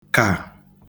kà